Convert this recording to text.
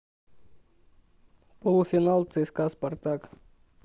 полуфинал цска спартак